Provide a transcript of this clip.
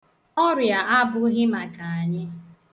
Ọrịa abụghị maka anyị.